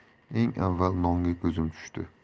kirishim bilan eng avval nonga ko'zim tushdi